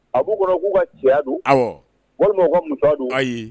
A b'u kɔnɔ k'u ka cɛya don, awɔ, walima u ka musoya don, ayi!